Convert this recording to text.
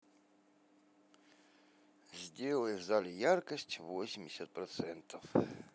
сделай в зале яркость восемьдесят процентов